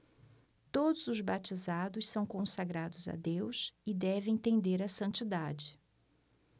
todos os batizados são consagrados a deus e devem tender à santidade